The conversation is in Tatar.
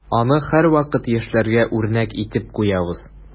Аны һәрвакыт яшьләргә үрнәк итеп куябыз.